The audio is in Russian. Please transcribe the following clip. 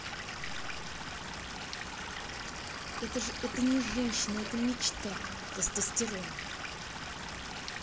это же это не женщина это мечта тестостерон